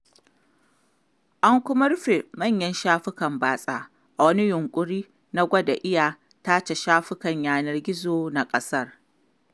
An kuma rufe manyan shafukan batsa, a wani yunƙuri na gwada iya tace shafukan yanar gizo na ƙasar.